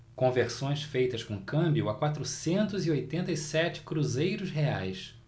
conversões feitas com câmbio a quatrocentos e oitenta e sete cruzeiros reais